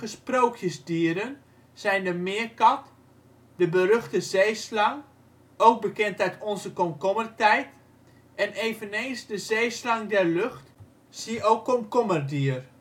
sprookjesdieren zijn de meerkat, de beruchte zeeslang - óók bekend uit onzen komkommertijd en eveneens de zeeslang der lucht.’ Zie ook komkommerdier